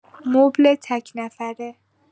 مبل تک‌نفره